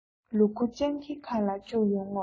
ལུ གུ སྤྱང ཀིའི ཁ ལ བཅུག ཡོང ངོ